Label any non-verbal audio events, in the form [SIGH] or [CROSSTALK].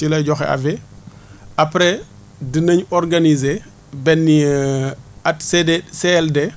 ci lay joxe avis après dinañ organiser benn [HESITATION] ak CD CLD